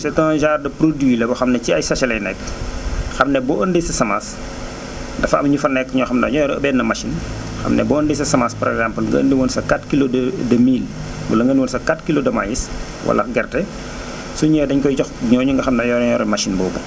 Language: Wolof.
c' est un genre de produit la boo xam ne ci sachet lay nekk xam ne boo ëndee sa semence dafa am ñu fa nekk ñoo xam ne dañoo yor benn machine xam ne boo ëndee sa semence par exemple nga indi woon sa 4 kilos de mil wala nga indil woon sa 4 kilos de maïs wala gerte su ñëwee dañ koy jox ñooñu nga xam ne ñoo yore machine boobu